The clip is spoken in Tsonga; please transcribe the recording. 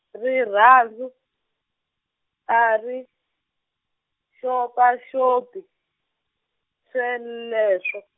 rirhandzu, a ri, xopaxopi, sweleswo.